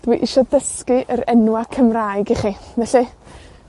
Dwi isio dysgu yr enwa' Cymraeg i chi, felly,